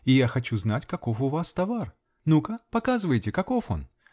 Я и хочу знать, каков у вас товар. Ну-ка, показывайте -каков он?